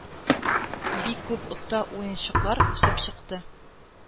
Бик күп оста уенчылар үсеп чыкты.